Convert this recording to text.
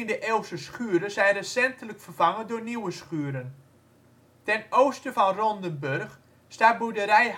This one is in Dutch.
19e-eeuwse schuren zijn recentelijk vervangen door nieuwe schuren. Ten oosten van Rondenburg staat boerderij